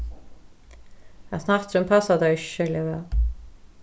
hasin hatturin passar tær ikki serliga væl